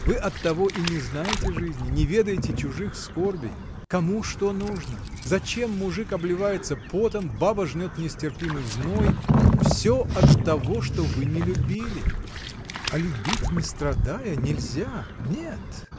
— Вы оттого и не знаете жизни, не ведаете чужих скорбей: кому что нужно, зачем мужик обливается потом, баба жнет в нестерпимый зной — всё оттого, что вы не любили! А любить не страдая — нельзя. Нет!